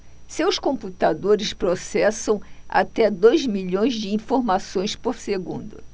seus computadores processam até dois milhões de informações por segundo